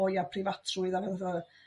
o ia preifatrwydd